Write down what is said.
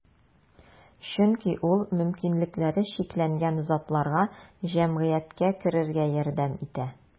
Чөнки ул мөмкинлекләре чикләнгән затларга җәмгыятькә керергә ярдәм итә.